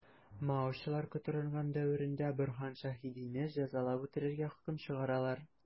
Маочылар котырынган дәвердә Борһан Шәһидине җәзалап үтерергә хөкем чыгаралар.